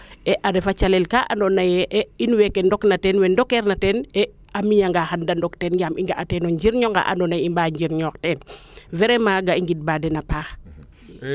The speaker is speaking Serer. a refa calel kaa ando naye in wwwkw ndok na teen we ndokeer na teen a miñanga xan da ndok teen yaam i nga a teen o njirño nga ando naye i mbaa njirñoox teen vraiment kee i ngid maa den a paax